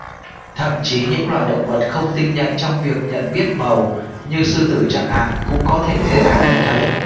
thậm chí những loài động vật không tinh nhạy trong việc nhận biết màu như sư tử chẳng hạn cũng có thể dễ dàng nhận thấy